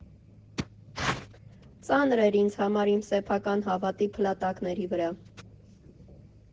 Ծանր էր ինձ համար իմ սեփական հավատի փլատակների վրա։